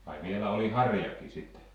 ai vielä oli harjakin sitten